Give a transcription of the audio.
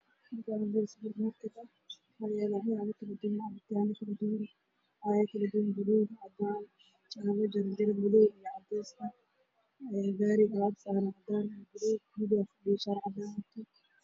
Meeshaan waa meel wiish ah waxaa yaalo fara badan